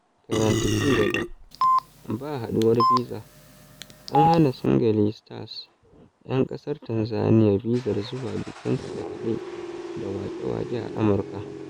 Karanta cigaba: "Ba Haduwar Biza". An hana Singeli stars 'yan ƙasar Tanzaniya bizar zuwa bikin kaɗe-kaɗe da waƙe-waƙe a Amurka.